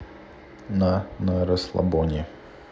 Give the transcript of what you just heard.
на на расслабоне